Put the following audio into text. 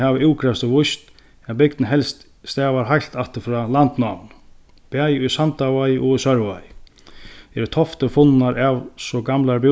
hava útgrevstur víst at bygdin helst stavar heilt aftur frá landnáminum bæði í sandavági og í sørvági eru toftir funnar av so gamlari